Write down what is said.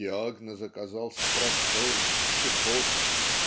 "диагноз оказался простой - чахотка"